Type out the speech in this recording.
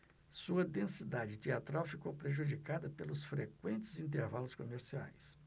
sua densidade teatral ficou prejudicada pelos frequentes intervalos comerciais